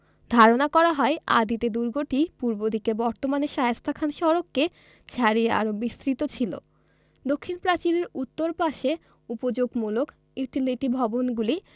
ধারণা করা হয় আদিতে দুর্গটি পূর্ব দিকে বর্তমানের শায়েস্তা খান সড়ককে ছাড়িয়ে আরও বিস্তৃত ছিল দক্ষিণ প্রাচীরের উত্তর পাশে উপযোগমূলক ইউটিলিটিভবনগুলি